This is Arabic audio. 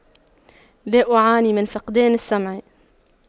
لا أعاني من فقدان السمع